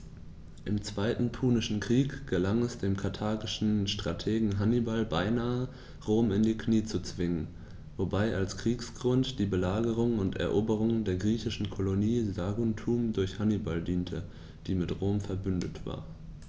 Im Zweiten Punischen Krieg gelang es dem karthagischen Strategen Hannibal beinahe, Rom in die Knie zu zwingen, wobei als Kriegsgrund die Belagerung und Eroberung der griechischen Kolonie Saguntum durch Hannibal diente, die mit Rom „verbündet“ war.